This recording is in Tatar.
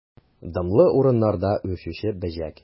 Дымлы урыннарда үрчүче бөҗәк.